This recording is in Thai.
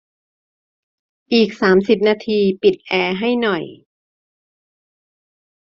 อีกสามสิบนาทีปิดแอร์ให้หน่อย